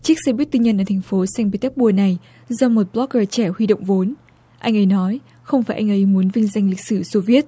chiếc xe buýt tư nhân ở thành phố xanh pê téc bua này do một bờ lóc gơ trẻ huy động vốn anh ấy nói không phải anh ấy muốn vinh danh lịch sử xô viết